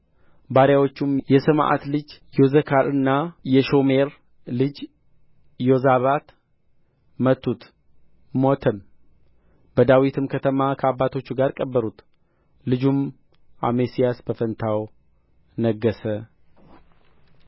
ባሪያዎቹም የሰምዓት ልጅ ዮዘካርና የሾሜር ልጅ ዮዛባት መቱት ሞተም በዳዊትም ከተማ ከአባቶቹ ጋር ቀበሩት ልጁም አሜስያስ በፋንታው ነገሠ